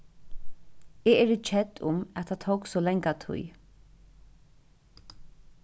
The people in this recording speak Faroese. eg eri kedd um at tað tók so langa tíð